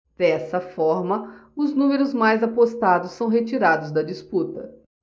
dessa forma os números mais apostados são retirados da disputa